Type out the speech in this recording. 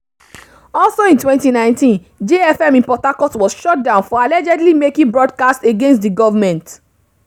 Also in 2019, Jay FM in Port Harcourt was shut down for allegedly making broadcasts against the government.